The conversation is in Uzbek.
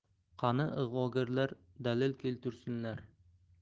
qani ig'vogarlar dalil keltursinlar